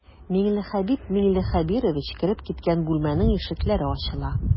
Миңлехәбиб миңлехәбирович кереп киткән бүлмәнең ишекләре ачыла.